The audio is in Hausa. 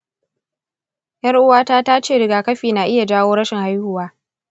yar'uwata ta ce rigakafi na iya jawo rashin haihuwa.